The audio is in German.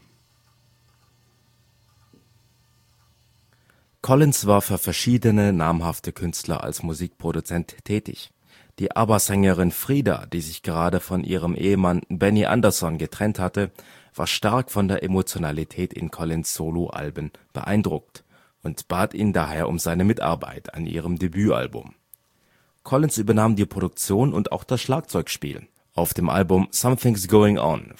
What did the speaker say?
Collins war für verschiedene namhafte Künstler als Musikproduzent tätig. Die ABBA-Sängerin Frida, die sich gerade von ihrem Ehemann Benny Andersson getrennt hatte, war stark von der Emotionalität in Collins ' Solo-Arbeiten beeindruckt und bat ihn daher um seine Mitarbeit an ihrem Debüt-Album. Collins übernahm die Produktion und auch das Schlagzeugspiel auf dem Album Something 's Going On